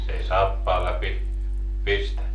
se ei saappaan läpi pistä